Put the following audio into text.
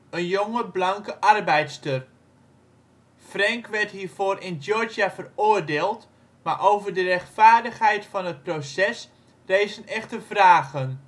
Mary Phagan, een jonge blanke arbeidster. Frank werd hiervoor in Georgia veroordeeld, maar over de rechtvaardigheid van het proces rezen echter vragen